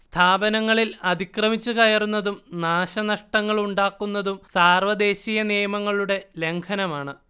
സ്ഥാപനങ്ങളിൽ അതിക്രമിച്ചുകയറുന്നതും നാശനഷ്ടങ്ങളുണ്ടാക്കുന്നതും സാർവദേശീയ നിയമങ്ങളുടെ ലംഘനമാണ്